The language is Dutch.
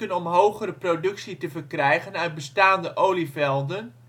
om hogere productie te verkrijgen uit bestaande olievelden